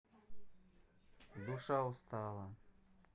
душа устала